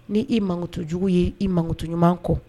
Ni i mankutu jugu ye i mankutu ɲuman kɔ